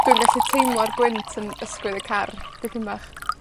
Dwi'n gallu teimlo'r gwynt yn ysgwyd y car. Dipyn bach.